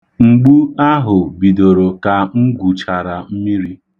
Mgbu ahụ bidoro ka m gwuchara mmiri.